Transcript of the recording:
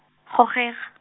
gogega.